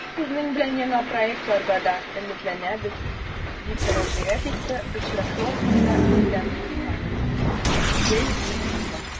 Без сезнең белән яңа проектларга да өметләнәбез, - дип мөрәҗәгать итте очрашу ахырында Рөстәм Миңнеханов Джей Литманга.